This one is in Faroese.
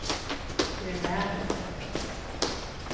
ver varin